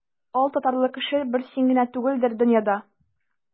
Алтатарлы кеше бер син генә түгелдер дөньяда.